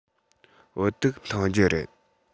བོད ཐུག འཐུང རྒྱུ རེད